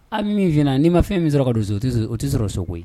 An b min f'i ɲɛna n'i ma fɛn min sɔrɔ ka do so o ti so o ti sɔrɔ so koyi